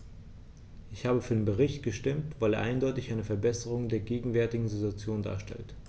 Ich habe für den Bericht gestimmt, weil er eindeutig eine Verbesserung der gegenwärtigen Situation darstellt.